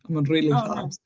A mae'n rili... o neis. ...dda.